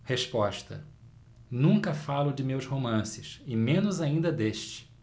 resposta nunca falo de meus romances e menos ainda deste